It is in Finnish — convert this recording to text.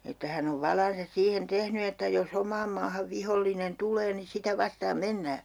että hän on valansa siihen tehnyt että jos omaan maahan vihollinen tulee niin sitä vastaan mennään